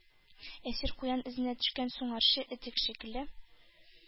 Әсир, куян эзенә төшкән сунарчы эте шикелле,